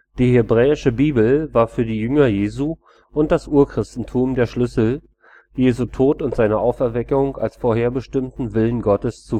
Hebräische Bibel war für die Jünger Jesu und das Urchristentum der Schlüssel, Jesu Tod und seine Auferweckung als vorherbestimmten Willen Gottes